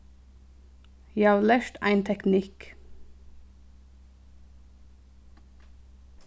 eg havi lært ein teknikk